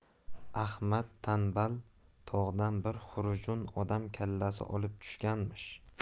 ahmad tanbal tog'dan bir xurjun odam kallasini olib tushganmish